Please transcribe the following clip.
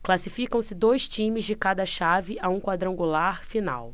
classificam-se dois times de cada chave a um quadrangular final